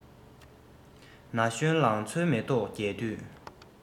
ན གཞོན ལང ཚོའི མེ ཏོག རྒྱས དུས